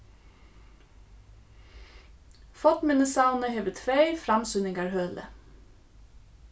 fornminnissavnið hevur tvey framsýningarhøli